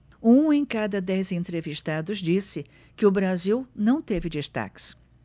um em cada dez entrevistados disse que o brasil não teve destaques